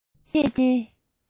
ད བཟོད ཁྱོད ཉིད